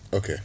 ok